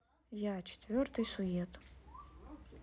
я четвертый сует